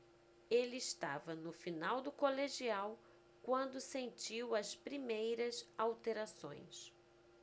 ele estava no final do colegial quando sentiu as primeiras alterações